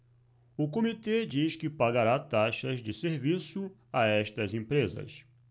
o comitê diz que pagará taxas de serviço a estas empresas